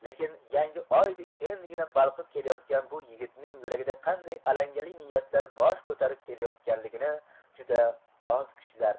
lekin yangi oydek endigina balqib kelayotgan bu yigitning yuragida qanday alangali niyatlar bosh ko'tarib kelayotgan ligini juda oz kishilar